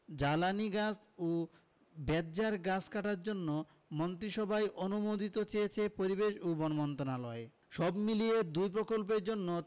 জ্বালানি গাছ ও বেতঝাড় কাটার জন্য মন্ত্রিসভার অনুমতি চেয়েছে পরিবেশ ও বন মন্ত্রণালয় সবমিলিয়ে দুই প্রকল্পের জন্য